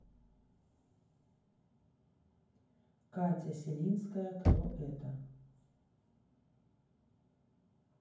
катя силинская кто это